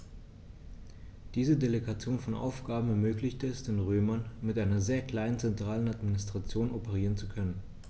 Diese Delegation von Aufgaben ermöglichte es den Römern, mit einer sehr kleinen zentralen Administration operieren zu können.